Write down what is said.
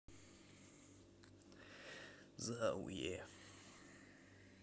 за ауе